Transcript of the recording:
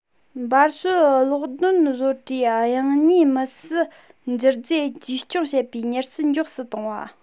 འབར སོལ གློག འདོན བཟོ གྲྭའི དབྱང གཉིས མུ སི འགྱུར རྫས བཅོས སྐྱོང བྱེད པའི མྱུར ཚད མགྱོགས སུ གཏོང བ